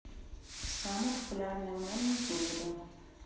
самые популярные мемы в мире